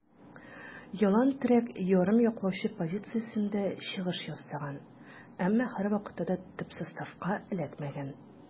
Ялланн терәк ярым яклаучы позициясендә чыгыш ясаган, әмма һәрвакытта да төп составка эләкмәгән.